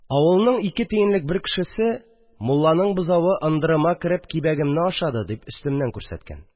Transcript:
Авылның ике тиенлек бер кешесе, мулланың бозавы, ындырыма кереп, кибәгемне ашады, дип өстемнән күрсәткән